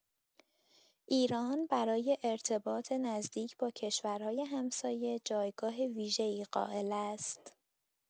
ایران برای ارتباط نزدیک با کشورهای همسایه جایگاه ویژه‌ای قائل است.